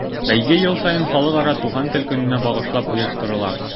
Бәйге ел саен Халыкара туган тел көненә багышлап оештырыла.